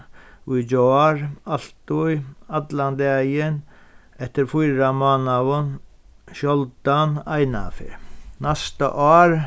í gjár altíð allan dagin eftir fýra mánaðum sjáldan einaferð næsta ár